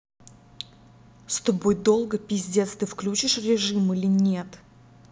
с тобой долго пиздец ты выключишь режим или нет